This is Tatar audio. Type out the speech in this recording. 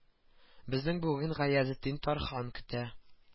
Безне бүген гаязетдин тархан көтә